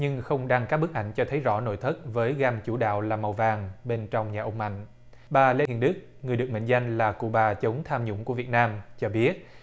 nhưng không đăng các bức ảnh cho thấy rõ nội thất với gam chủ đạo là màu vàng bên trong nhà ông mạnh bà lê hiền đức người được mệnh danh là cụ bà chống tham nhũng của việt nam cho biết